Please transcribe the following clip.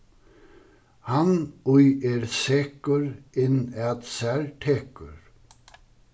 hann ið er sekur inn at sær tekur